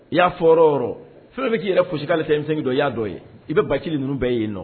I y'a fɔ o yɔrɔ yɔrɔ fɛn o fɛn bɛ k'i yɛrɛ fosi k'ale tɛ M5 dɔ ye i y'a dɔ ye i bɛ Bacili ninnu bɛɛ ye yen nɔ.